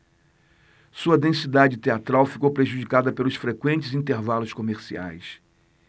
sua densidade teatral ficou prejudicada pelos frequentes intervalos comerciais